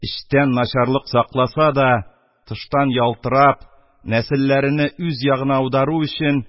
Эчтән начарлык сакласа да, тыштан ялтырап, нәселләрене үз ягына аудару өчен,